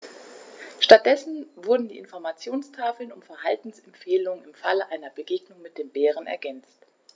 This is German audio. Stattdessen wurden die Informationstafeln um Verhaltensempfehlungen im Falle einer Begegnung mit dem Bären ergänzt.